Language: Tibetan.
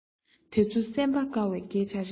དེ ཚོ སེམས པ དཀར བའི སྐད ཆ རེད